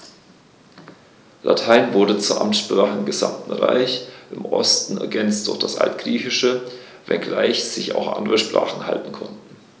Latein wurde zur Amtssprache im gesamten Reich (im Osten ergänzt durch das Altgriechische), wenngleich sich auch andere Sprachen halten konnten.